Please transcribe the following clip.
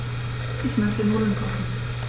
Ich möchte Nudeln kochen.